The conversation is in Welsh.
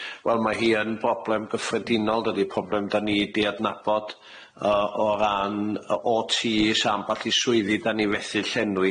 Wel ma' hi yn broblem gyffredinol, dydi? Problem 'dan ni 'di adnabod yy o ran yy O Tees a ambell i swyddi 'dan ni fethu llenwi.